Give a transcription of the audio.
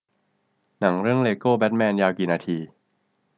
หนังเรื่องเลโกแบ็ทแมนยาวกี่นาที